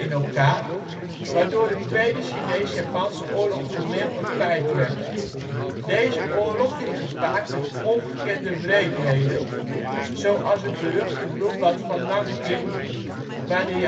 elkaar, waardoor de tweede Chinees-Japanse oorlog formeel een feit werd. Deze oorlog ging gepaard met ongekende wreedheden, zoals het beruchte bloedbad van Nanking waar